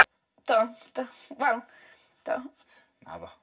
Do do wel do. Naddo.